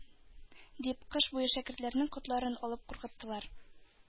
Дип кыш буе шәкертләрнең котларын алып куркыттылар.